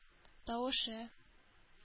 Тавышы